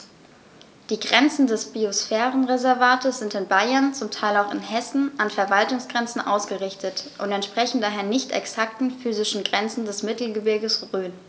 Die Grenzen des Biosphärenreservates sind in Bayern, zum Teil auch in Hessen, an Verwaltungsgrenzen ausgerichtet und entsprechen daher nicht exakten physischen Grenzen des Mittelgebirges Rhön.